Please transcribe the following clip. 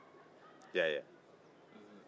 i y'a ye wa